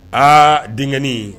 Aa denkɛ nin